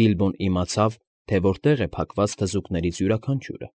Բիլբոն իմացավ, թե որտեղ է փակված թզուկներից յուրաքանչյուրը։